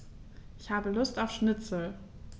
Ich habe Lust auf Schnitzel.